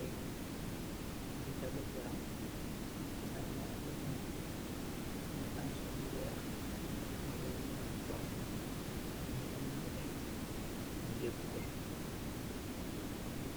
Ayy nit nyu geh tagat yaram giss naa naar nett nitt nitt bagi sool lu weex neneen nyu gi sool lu xonxa mogi aam lu neteh nyu geh play